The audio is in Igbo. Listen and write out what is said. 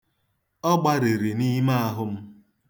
Ọ gbariri n'ime ahụ m.